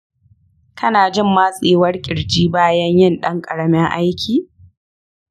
kana jin matsewar ƙirji bayan yin ɗan ƙaramin aiki?